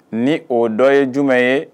Ni o dɔ ye jumɛn ye